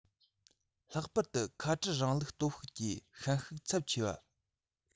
ལྷག པར དུ ཁ བྲལ རིང ལུགས སྟོབས ཤུགས ཀྱི ཤན ཤུགས ཚབས ཆེ བ